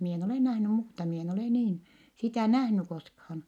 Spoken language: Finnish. minä en ole nähnyt muuta minä en ole niin sitä nähnyt koskaan